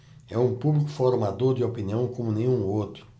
é um público formador de opinião como nenhum outro